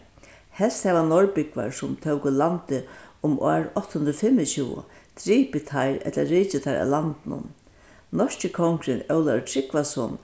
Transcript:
helst hava norðbúgvar sum tóku landið um ár átta hundrað og fimmogtjúgu dripið teir ella rikið teir av landinum norski kongurin ólavur trygvason